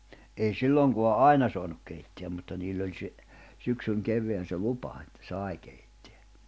ei silloinkaan aina saanut keittää mutta niillä oli se syksyn kevään se lupa että sai keittää